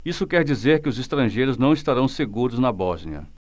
isso quer dizer que os estrangeiros não estarão seguros na bósnia